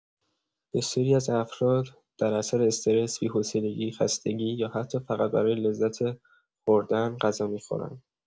بسیاری از افراد در اثر استرس، بی‌حوصلگی، خستگی یا حتی فقط برای لذت خوردن غذا می‌خورند.